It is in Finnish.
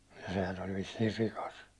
ja sehän oli vissiin rikas